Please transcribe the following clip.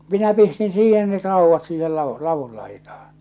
minä pistin siihen ne raudat siihen ladun ladun laitaan